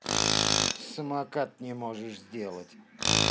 самокат не можешь сделать